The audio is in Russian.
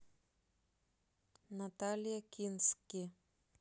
наталья кински